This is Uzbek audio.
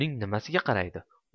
uning nimasiga qaraydi